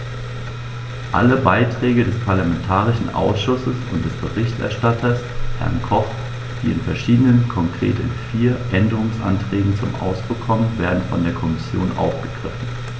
Alle Beiträge des parlamentarischen Ausschusses und des Berichterstatters, Herrn Koch, die in verschiedenen, konkret in vier, Änderungsanträgen zum Ausdruck kommen, werden von der Kommission aufgegriffen.